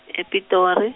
e- Pitori.